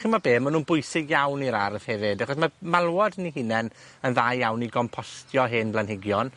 ch'mo' be'? Ma' nw'n bwysig iawn i'r ardd hefyd, achos ma' malwod yn 'u hunen yn dda iawn i gompostio hen blanhigion.